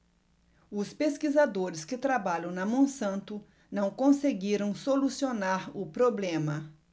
os pesquisadores que trabalham na monsanto não conseguiram solucionar o problema